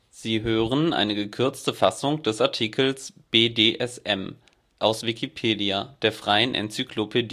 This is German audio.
Sie hören den Artikel BDSM, aus Wikipedia, der freien Enzyklopädie